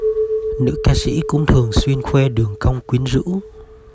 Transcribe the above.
nữ ca sĩ cũng thường xuyên khoe đường cong quyến rũ